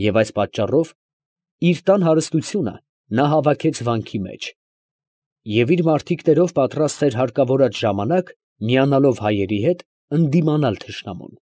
Եվ այս պատճառով իր տան հարստությունը նա հավաքեց վանքի մեջ, և իր մարդիկներով պատրաստ էր հարկավորած ժամանակ, միանալով հայերի հետ, ընդդիմանալ թշնամուն։